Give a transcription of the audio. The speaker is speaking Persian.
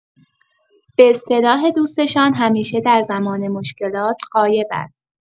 به‌اصطلاح دوستشان همیشه در زمان مشکلات غایب است.